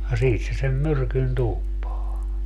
ja siitä se sen myrkyn tuuppaa